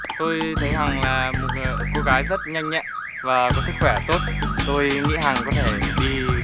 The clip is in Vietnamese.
tôi thấy hằng là một cô gái rất nhanh nhẹn và sức khỏe tốt tôi nghĩ hằng có thể đi